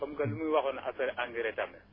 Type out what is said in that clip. comme que lum ñu waxoon affaire engrais tamit